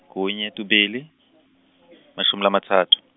kunye, kubili, mashumi lamatsatfu.